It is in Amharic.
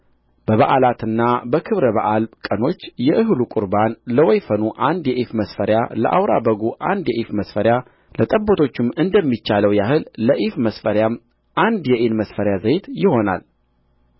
በበዓላትና በክብረ በዓል ቀኖች የእህሉ ቍርባን ለወይፈኑ አንድ የኢፍ መስፈሪያ ለአውራ በጉ አንድ የኢፍ መስፈሪያ ለጠቦቶቹም እንደሚቻለው ያህል ለኢፍ መስፈሪያም አንድ የኢን መስፈሪያ ዘይት ይሆናል